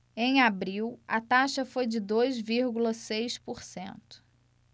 em abril a taxa foi de dois vírgula seis por cento